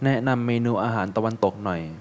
แนะนำเมนูอาหารตะวันตกหน่อย